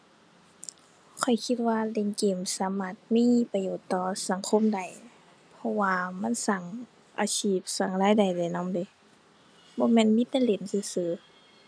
ข้อยคิดว่าเล่นเกมสามารถมีประโยชน์ต่อสังคมได้ เพราะว่ามันสร้างอาชีพสร้างรายได้ได้นำเดะ บ่แม่นมีแต่เล่นซื่อซื่อ